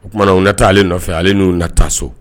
O tumana u na taaale nɔfɛ ale n'u na taa so